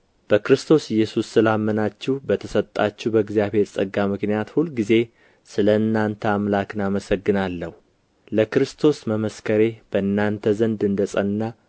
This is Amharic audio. በክርስቶስ ኢየሱስ ስላመናችሁ በተሰጣችሁ በእግዚአብሔር ጸጋ ምክንያት ሁልጊዜ ስለ እናንተ አምላክን አመሰግናለሁ ለክርስቶስ መመስከሬ በእናንተ ዘንድ እንደ ጸና